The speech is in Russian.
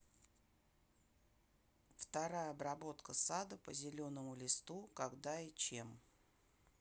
вторая обработка сада по зеленому листу когда и чем